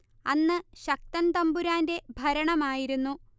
അന്ന് ശക്തൻ തമ്പുരാന്റെ ഭരണമായിരുന്നു